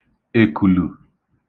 èkùlù